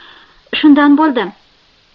shundan bo'ldim